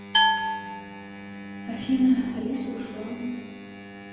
афина алиса ушла